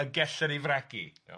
y gellir ei fragu. Iawn.